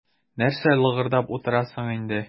Нәрсә лыгырдап утырасың инде.